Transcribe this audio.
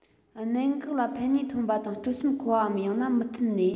གནད འགག ལ ཕན ནུས ཐོན པ དང སྤྲོ སེམས འཁོལ བའམ ཡང ན མུ མཐུད ནས